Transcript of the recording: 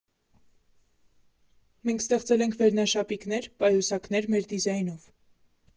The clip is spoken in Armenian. Մենք ստեղծել ենք վերնաշապիկներ, պայուսակներ մեր դիզայնով։